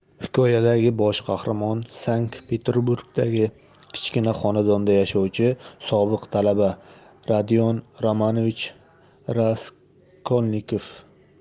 hikoyadagi bosh qahramon sankt peterburgdagi kichkina xonadonda yashovchi sobiq talaba rodion romanovich raskolnikov